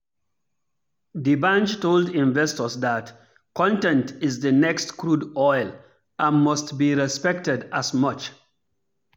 Dbanj told investors that "content is the next crude oil" and must be respected as much.